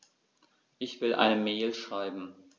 Ich will eine Mail schreiben.